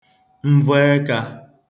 mvọẹka